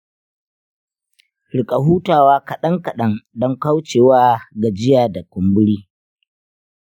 rika hutawa kaɗan-kaɗan don kauce wa gajiya da kumburi.